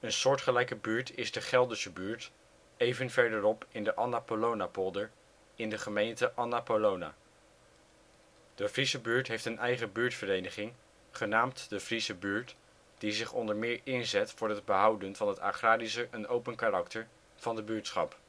soortgelijke buurt is de Gelderse Buurt, even verder op in de Anna Paulownapolder, in de gemeente Anna Paulowna. De Friese Buurt heeft een eigen buurtvereniging, genaamd De Friese Buurt, die zich onder meer inzet voor het behouden van het agrarische en open karakter van de buurtschap